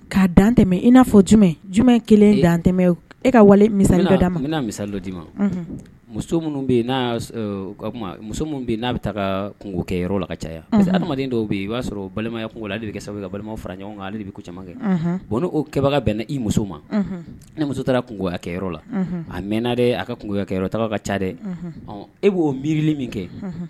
Tɛ ia fɔ jumɛn kelentɛ e ka wali misa misa dɔ ma muso minnu bɛ muso bɛ'a bɛ taa ka kungogo kɛyɔrɔ la ka caya parce hadamaden dɔw bɛ yen i b'a sɔrɔ balimayago la de bɛ kɛ sababu ka balimaw fara ɲɔgɔn kan ale bɛ ko cakɛ bɔn ne' kebaga bɛnna i muso ma ne muso taara kungogoya kɛyɔrɔ la a mɛnna de a ka kɛyɔrɔ ka ca dɛ e b'o miirili min kɛ